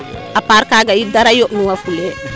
a part kaaga yit dara yond nu wa fule